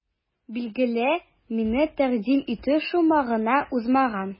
Билгеле, мине тәкъдим итү шома гына узмаган.